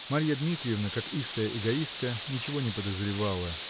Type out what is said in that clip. Марья Дмитриевна, как истая эгоистка, ничего не подозревала